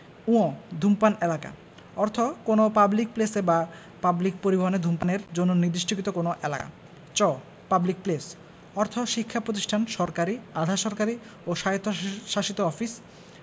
ঙ ধূমপান এলাকা অর্থ কোন পাবলিক প্লেসে বা পাবলিক পরিবহণে ধূমপানের জন্য নির্দিষ্টকৃত কোন এলাকা চ পাবলিক প্লেস অর্থ শিক্ষা প্রতিষ্ঠান সরকারী আধা সরকারী ও স্বায়ত্তশাসিত অফিস